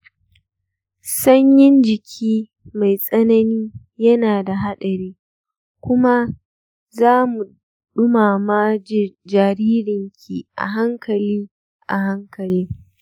sanyin jiki mai tsanani yana da haɗari, kuma za mu ɗumama jaririnki a hankali a hankali